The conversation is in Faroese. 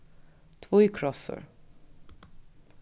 tvíkrossur